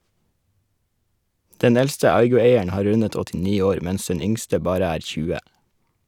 Den eldste Aygo-eieren har rundet 89 år, mens den yngste bare er 20.